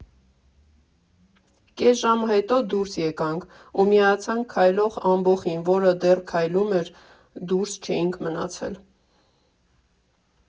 Կես ժամ հետո դուրս եկանք, ու միացանք քայլող ամբոխին, որը դեռ քայլում էր՝ դուրս չէինք մնացել։